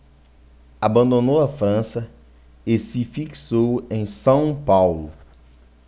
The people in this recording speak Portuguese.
abandonou a frança e se fixou em são paulo